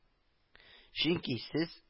—чөнки сез